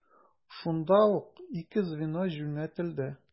Шунда ук ике звено юнәтелде.